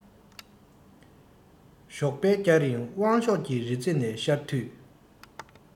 ཞོགས པའི སྐྱ རེངས དབང ཕྱོགས ཀྱི རི རྩེ ནས ཤར དུས